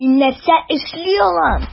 Мин нәрсә эшли алам?